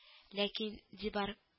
Ләкин дебар